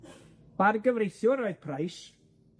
Bargyfreithiwr oedd Price